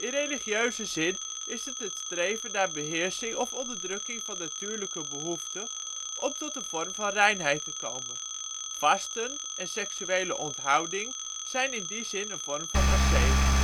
religieuze zin is het het streven naar beheersing of onderdrukking van natuurlijke behoeften om tot een vorm van reinheid te komen. Vasten en seksuele onthouding zijn in die zin vormen van ascese